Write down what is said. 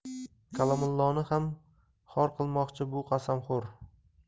kalomulloni ham xor qilmoqchi bu qasamxo'r